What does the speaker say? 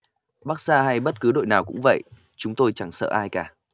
barca hay bất cứ đội nào cũng vậy chúng tôi chẳng sợ ai cả